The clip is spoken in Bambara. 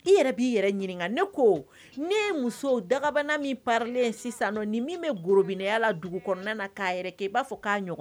I yɛrɛ b'i yɛrɛ ɲininka ne ko ne muso dagabana min parlen sisan ni min bɛ b minɛya la dugu kɔnɔna na k'a yɛrɛ k i b'a fɔ k'a ɲɔgɔn